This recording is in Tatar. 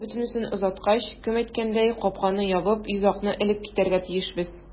Бөтенесен озаткач, кем әйткәндәй, капканы ябып, йозакны элеп китәргә тиешбез.